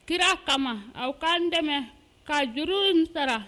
Kira kama a k'an dɛmɛ ka juru in sara